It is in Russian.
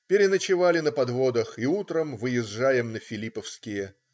Переночевали на подводах и утром выезжаем на Филипповские.